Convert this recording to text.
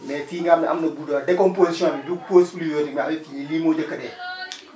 mais kii nga xam ne am na bouse de vache décomposition bi du pose fluor mbaa fii lii mo njëkk a dee